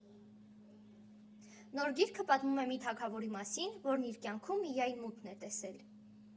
Նոր գիրքը պատմում է մի թագավորի մասին, որն իր կյանքում միայն մութն է տեսել։